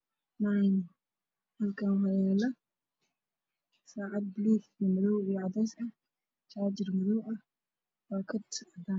Halkan wax yaalo saacad buluug madow iyo cadeys ah jaajar madow ag